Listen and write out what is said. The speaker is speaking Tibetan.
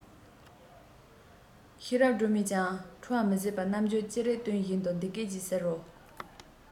ཤེས རབ སྒྲོལ མས ཀྱང ཁྲོ བ མི ཟད པའི རྣམ འགྱུར ཅི རིགས སྟོན བཞིན དུ འདི སྐད ཅེས ཟེར རོ